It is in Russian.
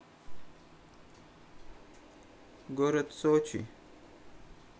город сочи